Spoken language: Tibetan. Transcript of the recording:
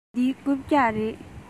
འདི རྐུབ བཀྱག རེད